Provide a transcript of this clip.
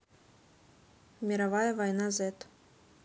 мировая война z